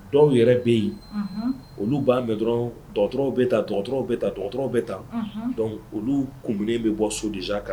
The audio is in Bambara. Dɔw yɛrɛ bɛ yen olu b'a mɛn dɔrɔn dɔgɔtɔrɔw bɛ taa dɔgɔtɔrɔw bɛ taa dɔgɔtɔrɔw bɛ taa olu kunlen bɛ bɔ sodsa kan